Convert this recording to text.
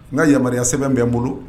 N ka yamaruya sɛbɛnbɛn bɛ n bolo